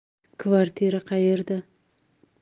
kvartira qayerda